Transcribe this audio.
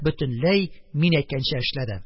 Бөтенләй мин әйткәнчә эшләде.